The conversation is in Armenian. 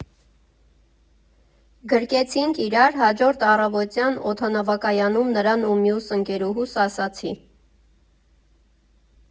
Գրկեցինք իրար, հաջորդ առավոտյան օդանավակայանում նրան ու մյուս ընկերուհուս ասացի.